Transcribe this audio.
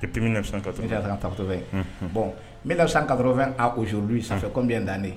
Depuis 1980 1980 à aujourd'hui ça fait combien d'années ?